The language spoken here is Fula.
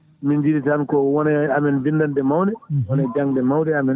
min jii tan ko wone amen bindanɗe mawɗe wona janggde mawde e amen